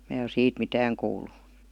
minä ole siitä mitään kuullut